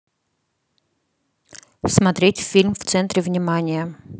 смотреть фильм в центре внимания